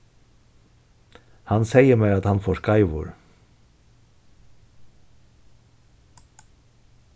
hann segði mær at hann fór skeivur